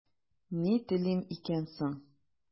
Ни телим икән соң?